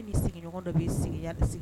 Sigiɲɔgɔn dɔ bɛ'i sigi